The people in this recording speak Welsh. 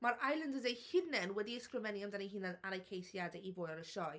Mae'r islanders eu hunain wedi ysgrifennu amdano'u hunain ar eu ceisiadau i fod ar y sioe.